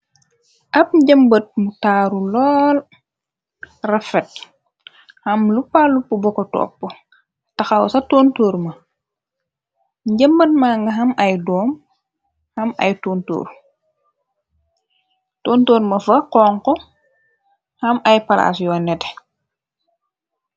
Ab njëmbat mu taaru lool rafet xam lu pàllup boko topp taxaw ca tontorma njëmbat manga ham ay doom am atontorma fa konko xam ay palaas yoon nete.